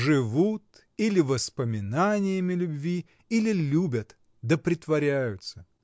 — Живут — или воспоминаниями любви, или любят, да притворяются.